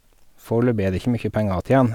Foreløpig er det ikke mye penger å tjene.